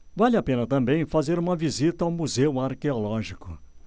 vale a pena também fazer uma visita ao museu arqueológico